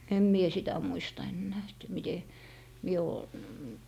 en minä sitä muista enää että miten minä ole